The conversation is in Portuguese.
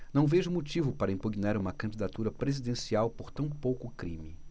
não vejo motivo para impugnar uma candidatura presidencial por tão pouco crime